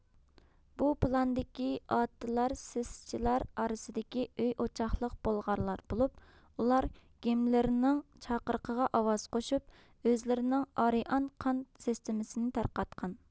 بۇ پىلاندىكى ئاتىلار سىسىچىلار ئارىسىدىكى ئۆي ئوچاقلىق بولغانلار بولۇپ ئۇلار گېملېرنىڭ چاقىرىقىغا ئاۋاز قوشۇپ ئۆزلىرىنىڭ ئارىئان قان سىستېمىسىنى تارقاتقان